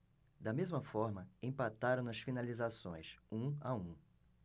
da mesma forma empataram nas finalizações um a um